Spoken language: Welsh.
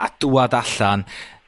a dŵad allan,